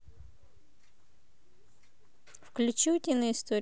включи утиные истории